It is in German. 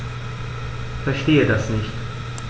Verstehe das nicht.